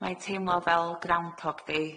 Mae'n teimlo fel ground hog day